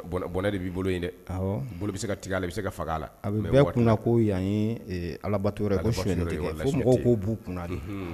Bɔnɛ de b'i bolo yen dɛ bolo bɛ se ka tigi la bɛ se ka faga la bɛɛ kunna ko yan ye alabato ko ko b'u kun de